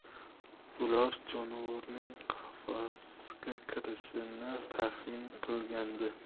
ular jonivorning qafasga kirishini taxmin qilgandi